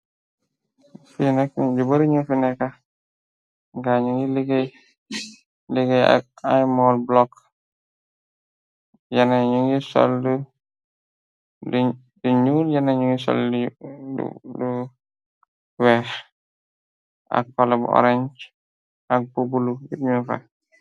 Fi nak nitt yu bari ñu fi nekka gaay ñugi ligéey liggéey ak moll blok ynenen ñungi sol lu nuul nyenen ñungi sol lu weex ak pala bu orange ak bu bulu nit yan fa.